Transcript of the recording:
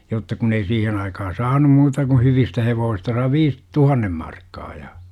jotta kun ei siihen aikaan saanut muuta kuin hyvistä hevosista sai viisi tuhannen markkaa ja